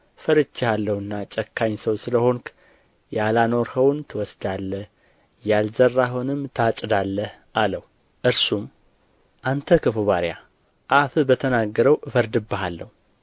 ፈርቼሃለሁና ጨካኝ ሰው ስለ ሆንህ ያላኖርኸውን ትወስዳለህ ያልዘራኸውንም ታጭዳለህ አለው እርሱም አንተ ክፉ ባሪያ አፍህ በተናገረው እፈርድብሃለሁ